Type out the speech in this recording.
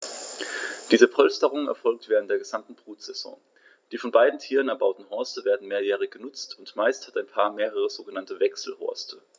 Diese Polsterung erfolgt während der gesamten Brutsaison. Die von beiden Tieren erbauten Horste werden mehrjährig benutzt, und meist hat ein Paar mehrere sogenannte Wechselhorste.